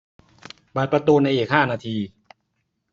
เปิดประตูในอีกห้านาที